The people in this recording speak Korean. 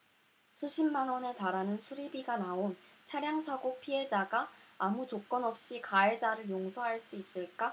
수십만원에 달하는 수리비가 나온 차량사고 피해자가 아무 조건없이 가해자를 용서할 수 있을까